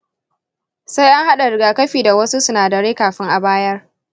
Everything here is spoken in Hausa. sai an hada rigakafi da wasu sinadirai kafin a bayar.